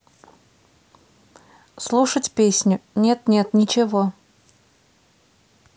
слушать песню нет нет ничего